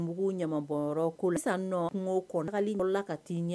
Mugu ɲabɔ kosa nɔ kungo kɔnɔ dɔ la ka'i ɲɛ